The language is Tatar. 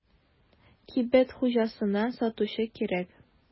Кибет хуҗасына сатучы кирәк.